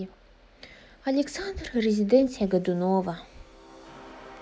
александр резиденция годунова